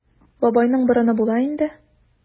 Бабайның борыны була инде.